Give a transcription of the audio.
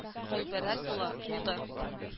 Гыйбарәт була булды